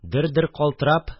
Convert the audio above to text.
Дер-дер калтырап